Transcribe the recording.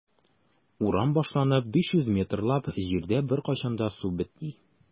Урам башланып 500 метрлап җирдә беркайчан да су бетми.